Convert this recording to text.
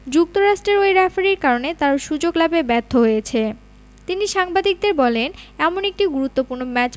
যুক্তরাষ্ট্রের ওই রেফারির কারণে তারা সুযোগ লাভে ব্যর্থ হয়েছে তিনি সাংবাদিকদের বলেন এমন একটি গুরুত্বপূর্ণ ম্যাচ